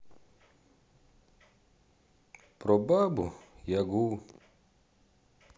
про бабу ягу